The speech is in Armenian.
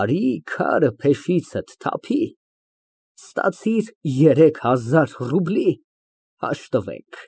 Արի քարը փեշիցդ թափի, ստացիր երեք հազար ռուբլի, հաշտվենք։